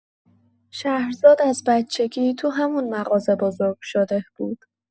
شهرزاد از بچگی تو همون مغازه بزرگ شده بود.